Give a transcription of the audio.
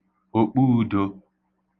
òkpuūdō